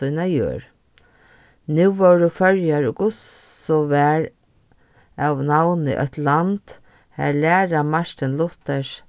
sína jørð nú vóru føroyar ið hvussu var av navni eitt land har læra martin luthers